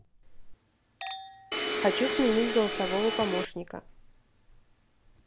хочу сменить голосового помощника